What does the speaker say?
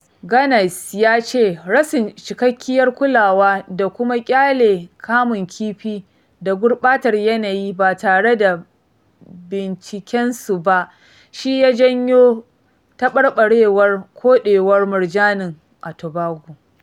Ganase ya ce rashin cikakkiyar kulawa da kuma ƙyale kamun kifi da gurɓatar yanayi ba tare da bincikensu ba shi ya janyo taɓarɓarewar koɗewar murjanin a Tobago.